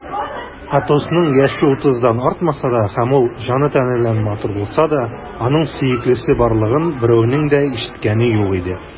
Атосның яше утыздан артмаса да һәм ул җаны-тәне белән матур булса да, аның сөеклесе барлыгын берәүнең дә ишеткәне юк иде.